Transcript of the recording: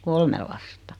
kolme lasta